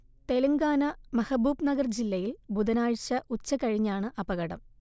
Telangana Mahabubnagar ജില്ലയിൽ ബുധനാഴ്ച ഉച്ചകഴിഞ്ഞാണ് അപകടം